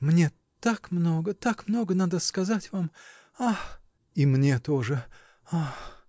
Мне так много, так много надо сказать вам. ах! – И мне тоже. ах!